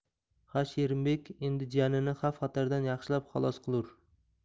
ha sherimbek endi jiyanini xavf xatardan yaxshilab xalos qilur